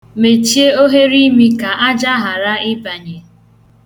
Mechie oghereimi ka aja ghara ịbanye.